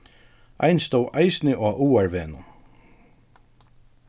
ein stóð eisini á áarvegnum